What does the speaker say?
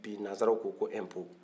bi nansara ko ko ''impot''